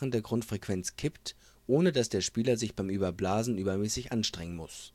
der Grundfrequenz kippt, ohne dass der Spieler sich beim Überblasen übermäßig anstrengen muss